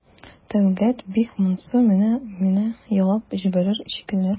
Тәлгать бик моңсу, менә-менә елап җибәрер шикелле.